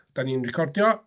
Dan ni'n recordio.